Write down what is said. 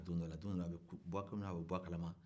don dɔw a bɛ kɛ inafɔ a ka b'a kalama